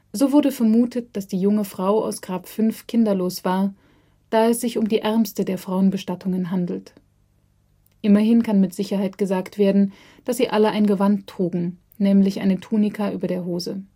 So wurde vermutet, dass die junge Frau aus Grab 5 kinderlos war, da es sich um die ärmste der Frauenbestattungen handelt. Immerhin kann mit Sicherheit gesagt werden, dass sie alle ein Gewand trugen, nämlich eine Tunika über der Hose